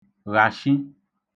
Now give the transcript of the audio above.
-ghàsḣi